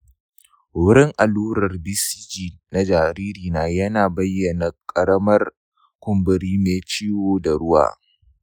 wurin allurar bcg na jaririna ya bayyana ƙaramar kumburi mai cike da ruwa.